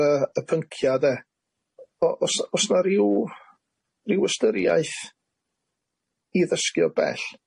yy y pyncia 'de o- o's o's 'na ryw ryw ystyriaeth i ddysgu o bell?